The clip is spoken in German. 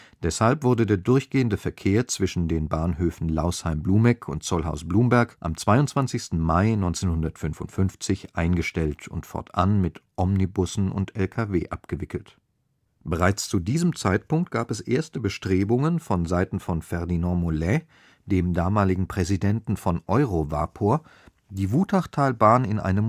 Deshalb wurde der durchgehende Verkehr zwischen den Bahnhöfen Lausheim-Blumegg und Zollhaus-Blumberg am 22. Mai 1955 eingestellt und fortan mit Omnibussen und LKW abgewickelt. Bereits zu diesem Zeitpunkt gab es erste Bestrebungen von Seiten von Ferdinand Mollet, dem damaligen Präsidenten von EUROVAPOR, die Wutachtalbahn in eine